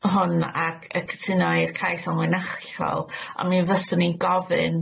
hwn ac yy cytuno i'r cais ymwenachol on' mi fyswn i'n gofyn